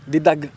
di dagg